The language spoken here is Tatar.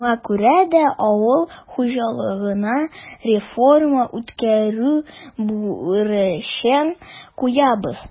Шуңа күрә дә авыл хуҗалыгына реформа үткәрү бурычын куябыз.